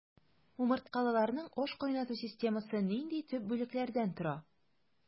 Умырткалыларның ашкайнату системасы нинди төп бүлекләрдән тора?